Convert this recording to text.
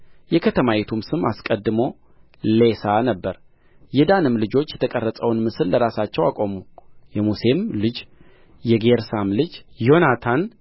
ከተማይቱንም ከእስራኤል በተወለደው በአባታቸው በዳን ስም ዳን ብለው ጠሩአት የከተማይቱም ስም አስቀድሞ ሌሳ ነበረ የዳንም ልጆች የተቀረጸውን ምስል ለራሳቸው አቆሙ የሙሴም ልጅ የጌርሳም ልጅ ዮናታን